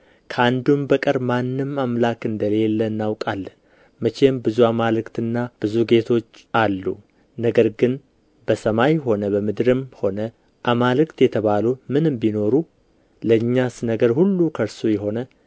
ከአንዱም በቀር ማንም አምላክ እንደሌለ እናውቃለን መቼም ብዙ አማልክትና ብዙ ጌቶች አሉ ነገር ግን በሰማይ ሆነ በምድርም ሆነ አማልክት የተባሉ ምንም ቢኖሩ ለእኛስ ነገር ሁሉ ከእርሱ የሆነ